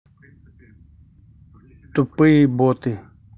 тупые боты